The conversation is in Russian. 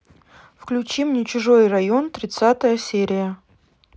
включи мне чужой район тридцатая серия